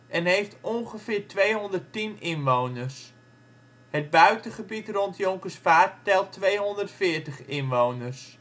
en heeft ongeveer 210 inwoners. Het buitengebied rond Jonkersvaart telt 240 inwoners